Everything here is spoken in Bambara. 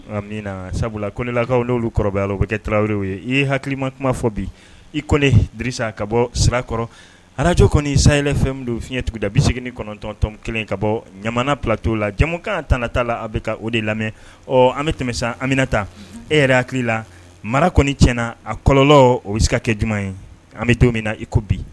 A min na sabula la ko nelakawolu kɔrɔbaya bɛɛ kɛ tarawelere ye ye hakilikilima kuma fɔ bi i ko ne disa ka bɔ sirakɔrɔ arajo kɔni sayɛlɛfɛn don fiɲɛtigi da bisi segin kɔnɔntɔntɔn kelen ka bɔ ɲamana patɔ la jamumukan tanta la a bɛ ka o de lamɛn ɔ an bɛ tɛmɛ san anmina ta e yɛrɛ hakili la mara kɔni tiɲɛna a kɔlɔ o bɛ se ka kɛ ɲuman ye an bɛ don min na i ko bi